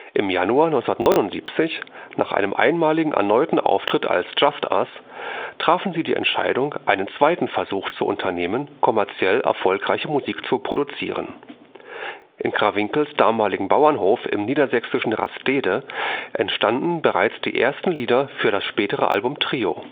Im Januar 1979 – nach einem einmaligen erneuten Auftritt als Just Us – trafen sie die Entscheidung, einen zweiten Versuch zu unternehmen, kommerziell erfolgreiche Musik zu produzieren. In Krawinkels damaligen Bauernhof im niedersächsischen Rastede entstanden bereits die ersten Lieder für das spätere Album Trio